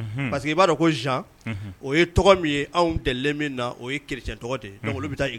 Unhun, parce que i b'a dɔn Jean o ye tɔgɔ min ye anw delilen min na o ye chrétien tɔgɔ de ye donc olu bɛ taa e